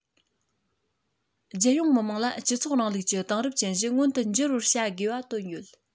རྒྱལ ཡོངས མི དམངས ལ སྤྱི ཚོགས རིང ལུགས ཀྱི དེང རབས ཅན བཞི མངོན དུ འགྱུར བར བྱ དགོས བ བཏོན ཡོད